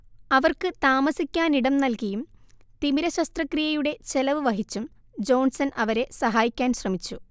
അവർക്ക് താമസിക്കാനിടം നൽകിയും തിമിരശസ്ത്രക്രിയയുടെ ചെലവ് വഹിച്ചും ജോൺസൺ അവരെ സഹായിക്കാൻ ശ്രമിച്ചു